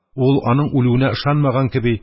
Ул, аның үлүенә ышанмаган кеби